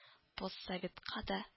Поссоветка да